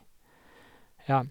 Ja.